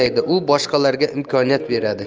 qilmaydi u boshqalarga imkoniyat beradi